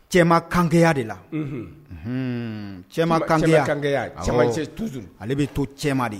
Cɛman kankɛya de la; Unhun ;unhuun; cɛman kankɛya cɛmancɛ toujours ;ale bɛ to cɛman de ye.